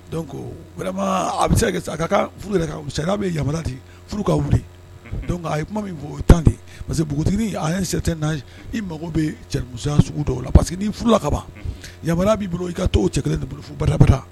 Donc vraiment a bɛ se ka kɛ a ka kan furu ka wili a ye kuma min fɔ o ye 10 de ye parce que npogotiginin a un certain âge i mako bɛ cɛnimusoya sugu dɔw la parce que ni furula ka ban yamaruya b'i bolo i ka to o cɛ 1 de bolo fo bada bada.